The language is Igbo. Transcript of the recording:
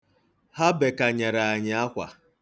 Ha bekanyere anyị akwa.